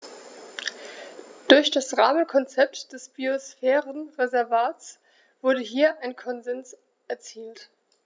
Durch das Rahmenkonzept des Biosphärenreservates wurde hier ein Konsens erzielt.